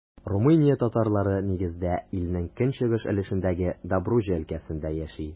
Румыния татарлары, нигездә, илнең көнчыгыш өлешендәге Добруҗа өлкәсендә яши.